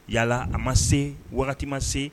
Yalala a ma se wagati ma se